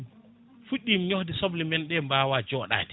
fuɗɗi ñoyde soble men ɗe mbawa jooɗade